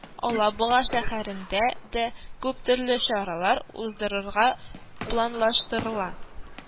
Алабуга шәһәрендә дә күптөрле чаралар уздырырга планлаштырыла